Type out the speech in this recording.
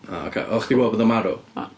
O, ocê, o'ch chi'n gwybod bod o'n marw?... O'n.